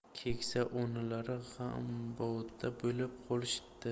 keksa onalari g'amboda bo'lib qolishibdi